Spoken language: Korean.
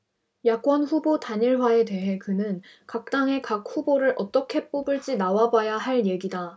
야권후보 단일화에 대해 그는 각당의 각 후보를 어떻게 뽑을지 나와봐야 할 얘기다